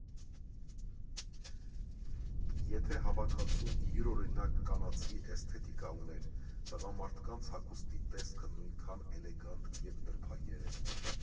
Եթե հավաքածուն յուրօրինակ կանացի էսթետիկա ուներ, տղամարդկանց հագուստի տեսքը նույնքան էլեգանտ և նրբագեղ էր։